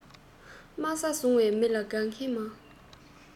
དམའ ས བཟུང བའི མི ལ དགའ མཁན མང